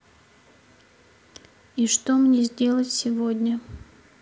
и что мне одеть сегодня